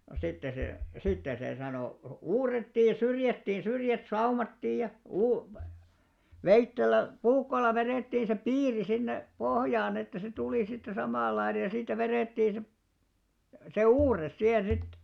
no sitten se sitten se sanoo uurrettiin syrjätkin syrjät saumattiin ja - veitsellä puukolla vedettiin se piiri sinne pohjaan että se tuli sitten samanlainen ja siitä vedettiin se se uurre siihen sitten